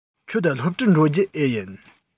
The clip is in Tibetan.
ཁྱོད སློབ གྲྭར འགྲོ རྒྱུ འེ ཡིན